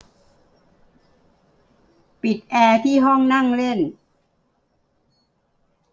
ปิดแอร์ที่ห้องนั่งเล่น